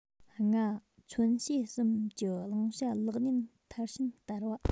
ལྔ མཚོན བྱེད གསུམ གྱི བླང བྱ ལག ལེན མཐར ཕྱིན བསྟར བ